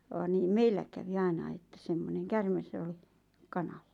vaan niin meillä kävi ainakin että semmoinen käärme oli kanalla